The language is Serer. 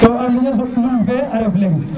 ta somb tunu fe a ref leŋ